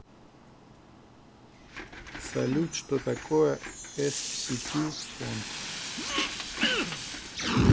салют что такое scp фонд